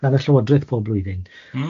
....gan y llywodraeth pob blwyddyn. M-hm.